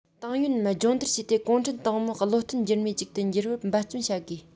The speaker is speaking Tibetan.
ཏང ཡོན རྣམས སྦྱོང བརྡར བྱས ཏེ གུང ཁྲན ཏང མི བློ བརྟན འགྱུར མེད ཅིག ཏུ འགྱུར བར འབད བརྩོན བྱ དགོས